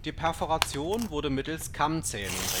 Perforation wurde mittels Kammzähnung